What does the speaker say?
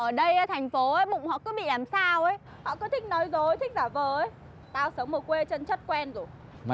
ở đây á thành phố á bụng họ cứ bị làm sao ý họ cứ thích nói dối thích giả vờ ý tao sống ở quê chân chất quen rồi